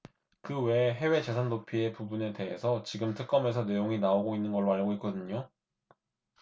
그 외에 해외 재산 도피에 부분에 대해서 지금 특검에서 내용이 나오고 있는 걸로 알고 있거든요